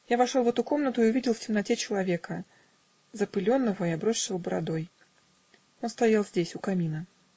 Я вошел в эту комнату и увидел в темноте человека, запыленного и обросшего бородой он стоял здесь у камина.